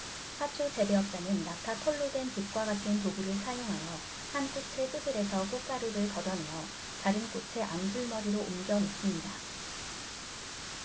화초 재배업자는 낙타털로 된 붓과 같은 도구를 사용하여 한 꽃의 수술에서 꽃가루를 걷어 내어 다른 꽃의 암술머리로 옮겨 놓습니다